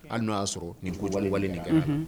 Hali n'o y'a sɔrɔ ninugubali wale nin